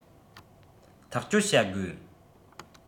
ཐག གཅོད བྱ དགོས